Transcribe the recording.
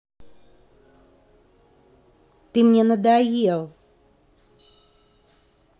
ты мне надоел